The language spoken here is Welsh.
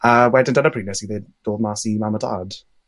A wedyn dyna pryd nes i 'fyd dod mas i mam a dad.